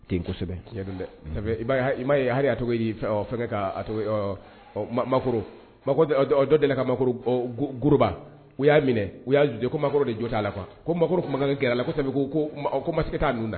Densɛbɛ i ye ha a tɔgɔ ye fɛn ma dɔ deli ka ma gba u y'a minɛ u y'a ko makɔrɔ de jɔ ta' la kuwa maro makankan g la ko sabu ko ko ma se t taa ninnu da